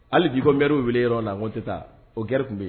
Hali diɔnɛriw wele yɔrɔ la ko tɛ taa o gri tun bɛ yen